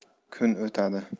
kun o'tadi